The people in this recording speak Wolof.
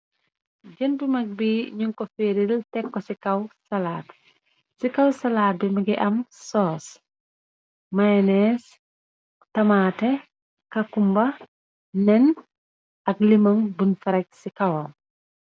jëntu mag bi ñu ko feeril tekko ci kaw salaat ci kaw salaat bi magi am soos menees tamate kakumba nen ak liman bun frex ci kawaw